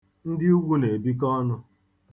Ndị Ugwu na-ebiko ọnụ.